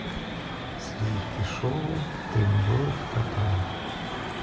сливки шоу тренируют кота